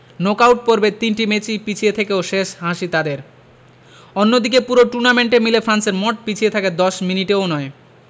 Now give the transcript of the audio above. knock out পর্বের তিনটি ম্যাচই পিছিয়ে থেকেও শেষ হাসি তাদের অন্যদিকে পুরো টুর্নামেন্ট এ মিলে ফ্রান্সের মোট পিছিয়ে থাকা ১০ মিনিটও নয়